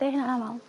...deu' hynna'n amal.